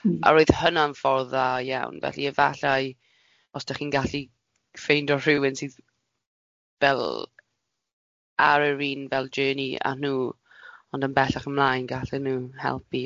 A roedd hwnna'n ffordd dda iawn, felly efallai os dach chi'n gallu ffeindio rhywun sydd fel ar yr un fel journey â nhw, ond yn bellach ymlaen gallen nhw helpu,